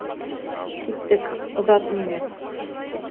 Киттек, озат мине.